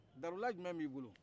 darula jumɛn b'i bolo